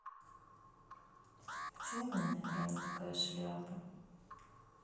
почему у меня на экране такая шляпа